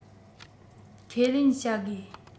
ཁས ལེན བྱ དགོས